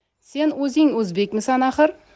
sen o'zing o'zbekmisan axir